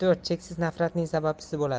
ehtiyoj cheksiz nafratning sababchisi bo'ladi